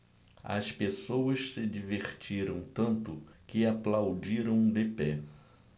as pessoas se divertiram tanto que aplaudiram de pé